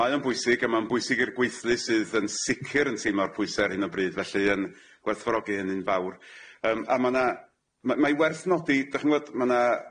Mae o'n bwysig a ma'n bwysig i'r gweithlu sydd yn sicir yn teimo'r pwyse ar hyn o bryd felly yn gwerthfawrogi hynny'n fawr yym a ma' 'na ma' mai werth nodi dach ch'mod ma' 'na